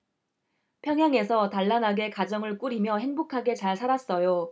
평양에서 단란하게 가정을 꾸리며 행복하게 잘 살았어요